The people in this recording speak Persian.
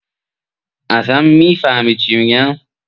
اصا می‌فهمی چی می‌گم؟